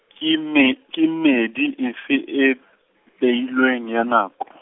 ke mme, ke mmedi e fe e, beilweng ya nako?